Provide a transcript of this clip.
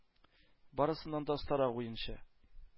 Барысыннан да остарак уенчы,